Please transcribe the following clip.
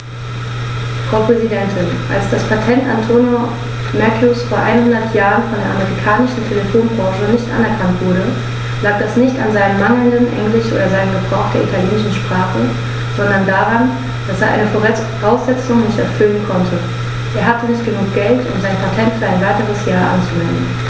Frau Präsidentin, als das Patent Antonio Meuccis vor einhundert Jahren von der amerikanischen Telefonbranche nicht anerkannt wurde, lag das nicht an seinem mangelnden Englisch oder seinem Gebrauch der italienischen Sprache, sondern daran, dass er eine Voraussetzung nicht erfüllen konnte: Er hatte nicht genug Geld, um sein Patent für ein weiteres Jahr anzumelden.